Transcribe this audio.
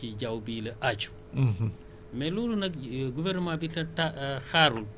dañu ne lu ci ëpp ci changement climatique ci jaww bi la aaju